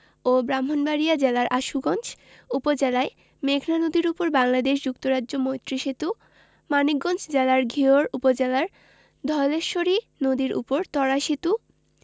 ও ব্রাহ্মণবাড়িয়া জেলার আশুগঞ্জ উপজেলায় মেঘনা নদীর উপর বাংলাদেশ যুক্তরাজ্য মৈত্রী সেতু মানিকগঞ্জ জেলার ঘিওর উপজেলায় ধলেশ্বরী নদীর উপর ত্বরা সেতু